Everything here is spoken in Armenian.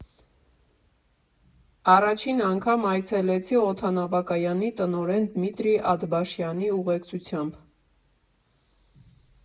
Առաջին անգամ այցելեցի օդանավակայանի տնօրեն Դմիտրի Աթբաշյանի ուղեկցությամբ։